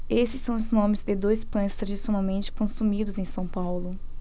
esses são os nomes de dois pães tradicionalmente consumidos em são paulo